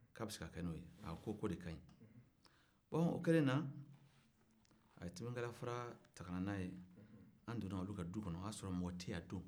k'a bɛ se ka kɛ n'o ye a ko ko de ka ɲi bon o kɛlen na a ye timikalafara ta ka n'a ye an dɔnna olu ka du kɔnɔ o y'a sɔrɔ mɔgɔ tɛ yen a don